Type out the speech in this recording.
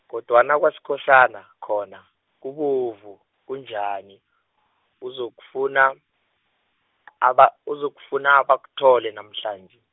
kodwana kwaSkhosana khona kubovu kunjani uzokufuna, abak-, uzokufuna bekakuthole namhlanje.